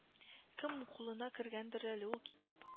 Кем кулына кергәндер әле ул китап